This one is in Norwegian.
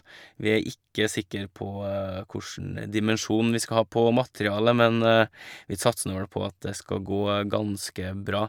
Vi er ikke sikker på kossjn dimensjon vi skal ha på materialet, men vi satser nå vel på at det skal gå ganske bra.